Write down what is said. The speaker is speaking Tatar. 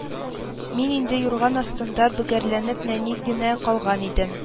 Мин инде юрган астында бөгәрләнеп, нәни генә калган идем